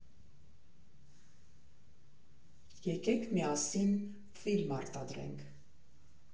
Եկեք միասի՛ն ֆիլմ արտադրենք։